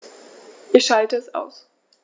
Ich schalte es aus.